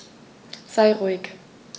Sei ruhig.